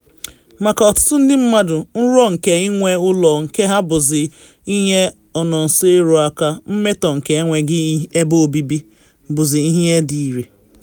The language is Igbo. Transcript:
Maka ọtụtụ ndị mmadụ, nrọ nke ịnwe ụlọ nke ha bụzị ihe ọ nọ nso eru aka, mmetọ nke enweghị ebe obibi bụzị ihe dị ire.”